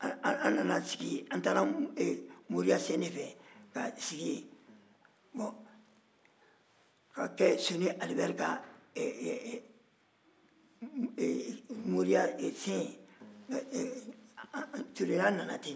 an nana sigi yen a taara mɔriyasen de fɛ ka sigi yen ka kɛ soni ali bɛri ka mɔri ye tureya nana ten den